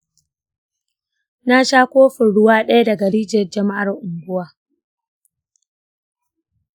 na sha kofin ruwa ɗaya daga rijiyar jama'ar anguwa.